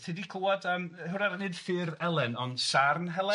Ti di clywad am yym hwnna'n nid ffyrdd Elen ond Sarn Helen?